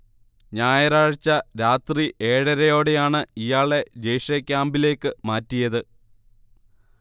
ഞായറാഴ്ച രാത്രി ഏഴരയോടെയാണ് ഇയാളെ ജെയ്ഷെ ക്യാമ്പിലേക്ക് മാറ്റിയത്